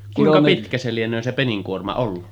kuinka pitkä se lienee se peninkuorma ollut